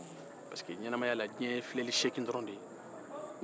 pariseke ɲɛnamaya la diɲɛ ye filɛli seegin dɔrɔn de ye